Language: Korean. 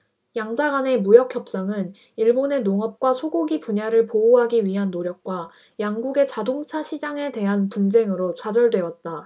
양자간의 무역협상은 일본의 농업과 소고기 분야를 보호하기 위한 노력과 양국의 자동차 시장에 대한 분쟁으로 좌절돼왔다